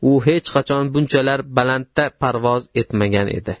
u hech qachon bunchalar balandda parvoz etmagan edi